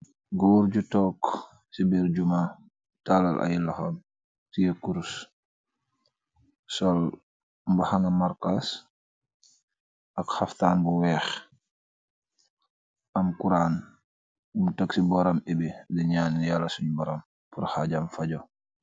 Góor ju tokk, ci biir juma, tallal ay loxa teye curus sol mbakhana markas ak xaftaan bu weex. Am xuraan, mun tëg si boram ibe di ñaan Yala suñu boram pur haajam fajo.